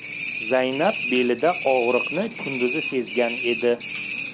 zaynab belida og'riqni kunduzi sezgan edi